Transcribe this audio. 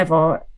efo